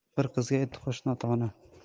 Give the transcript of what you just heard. bir qizga yetti qo'shni ota ona